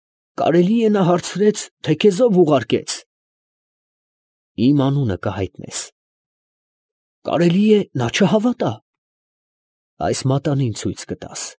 Կարելի է նա հարցրեց, թե քեզ ո՞վ ուղարկեց։ ֊ Իմ անունը կհայտնես։ ֊ Կարելի է, նա չհավատա։ ֊ Այս մատանին ցույց կտաս։